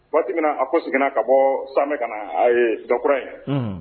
Waati min a ko seginna ka bɔ sanmɛ ka a ye dɔ kura ye